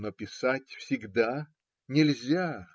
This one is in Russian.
Но писать всегда нельзя.